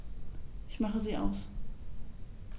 Ich mache sie aus.